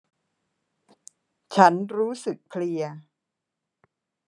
ฉันรู้สึกเพลีย